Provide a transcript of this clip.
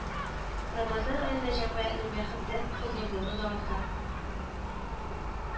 Рамазан аенда җәмгыятьнең бәхете, хозурлыгы да арта